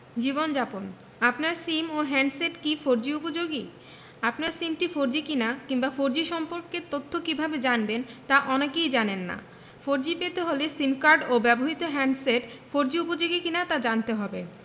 জীবনযাপন আপনার সিম ও হ্যান্ডসেট কি ফোরজি উপযোগী আপনার সিমটি ফোরজি কিনা কিংবা ফোরজি সম্পর্কে তথ্য কীভাবে জানবেন তা অনেকেই জানেন না ফোরজি পেতে হলে সিম কার্ড ও ব্যবহৃত হ্যান্ডসেট ফোরজি উপযোগী কিনা তা জানতে হবে